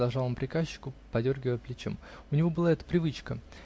-- продолжал он к приказчику, подергивая плечом (у него была эта привычка).